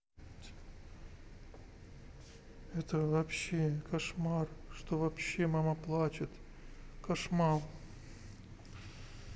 вообще кошмар что вообще мама плачет кошмал